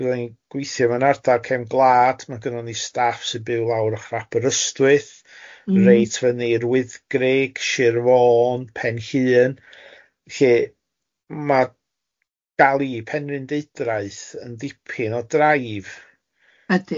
Da'n i'n gweithio mewn ardal cefn gwlad, ma' gynnon ni staff sy'n byw lawr ychra Aberystwyth... M-hm. ...reit fyny i'r Wyddgrug, Shir Fôn, Pen Llŷn, lle ma' gal i Penrhyndeudraeth yn ddipyn o drive. Ydi